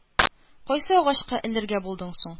- кайсы агачка эләргә булдың соң?